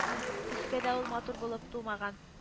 Төскә дә ул матур булып тумаган